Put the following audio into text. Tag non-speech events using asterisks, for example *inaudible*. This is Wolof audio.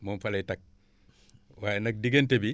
moom fa lay tag *breath* waaye nag diggante bi